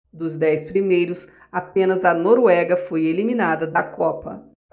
dos dez primeiros apenas a noruega foi eliminada da copa